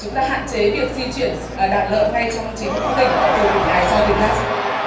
chúng đã hạn chế việc di chuyển ở đàn lợn ngay trong chính tỉnh từ tỉnh này sang tỉnh khác